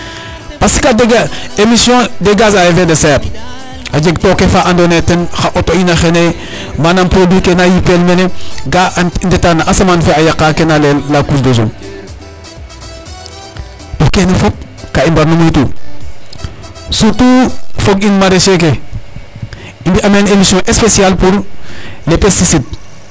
Parce que a jega émission des gaz a effet de serre a jeg tooke fa andoona yee ten xa auto in axene manaam produit ke na yipel mene ga ndeta na asamaan fe a yaqa kene layel la couche ozones to kene fop ka i mbarno moytu surtout fog in maraicher ke i mbi' a meen émission speciale pour les pesticide.